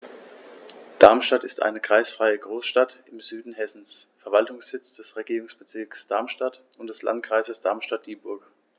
Darmstadt ist eine kreisfreie Großstadt im Süden Hessens, Verwaltungssitz des Regierungsbezirks Darmstadt und des Landkreises Darmstadt-Dieburg.